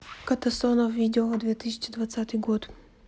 катасонов видео две тысячи двадцатый год